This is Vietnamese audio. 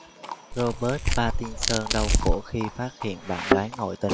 robert pattinson đau khổ khi phát hiện bạn gái ngoại tình